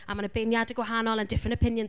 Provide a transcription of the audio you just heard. a mae 'na beirniadau gwahanol, a different opinions...